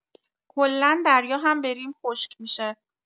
کلا دریا هم بریم خشک می‌شه